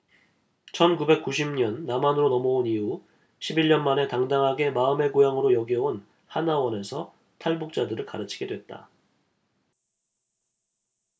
천 구백 구십 구 년 남한으로 넘어온 이후 십 일 년 만에 당당하게 마음의 고향으로 여겨온 하나원에서 탈북자들을 가르치게 됐다